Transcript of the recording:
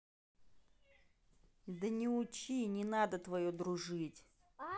да не учи не надо твое дружить